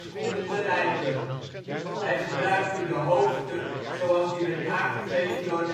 konden bereiken. Hij gebruikte de hoogte zoals die werd aangegeven door